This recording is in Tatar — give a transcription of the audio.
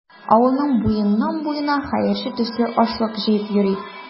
Авылның буеннан-буена хәерче төсле ашлык җыеп йөри.